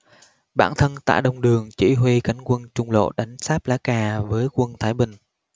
bản thân tả tông đường chỉ huy cánh quân trung lộ đánh xáp lá cà với quân thái bình